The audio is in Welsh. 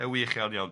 Yy wych iawn iawn.